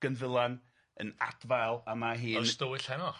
Gynddylan yn adfail a ma' hi'n.... Ys Tywyll Heno.